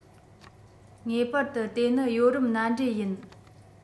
ངེས པར དུ དེ ནི ཡོ རོབ མནའ འབྲེལ ཡིན